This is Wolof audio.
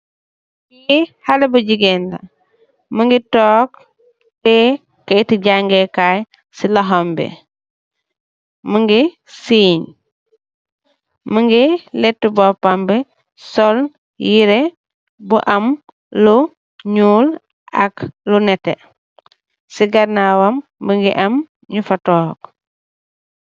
Li xale bu jigeen la mogi tog tiyeh keyti jangeh kai si loxombi mogi senn mogay lata mbopam bi sol yereh bu am lu nuul ak lu neteh si kanawam mogi am nyufa tog.